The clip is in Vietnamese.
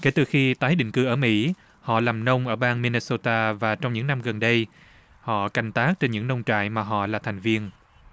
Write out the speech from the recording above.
kể từ khi tái định cư ở mỹ họ làm nông ở bang mi na xô ta và trong những năm gần đây họ canh tác trên những nông trại mà họ là thành viên